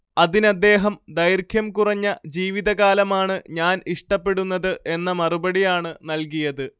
അതിനദ്ദേഹം ദൈർഘ്യം കുറഞ്ഞ ജീവിതകാലമാണ്‌ ഞാൻ ഇഷ്ടപ്പെടുന്നത് എന്ന മറുപടിയാണ് നൽകിയത്